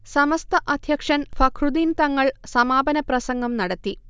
സമസ്ത അധ്യക്ഷൻ ഫഖ്റുദ്ദീൻ തങ്ങൾ സമാപന പ്രസംഗം നടത്തി